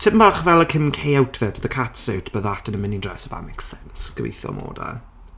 Tipyn bach fel y Kim K outfit, the cat-suit, but that in a mini dress, if that makes sense? Gobeithio 'mod e.